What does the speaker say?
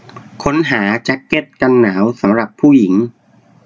ค้นหาแจ๊กเก็ตกันหนาวสำหรับผู้หญิง